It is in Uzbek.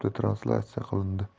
youtube'da translyatsiya qilindi